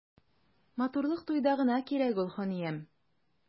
Матурлык туйда гына кирәк ул, ханиям.